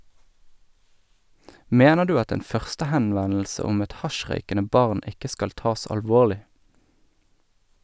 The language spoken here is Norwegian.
- Mener du at en førstehenvendelse om et hasjrøykende barn ikke skal tas alvorlig?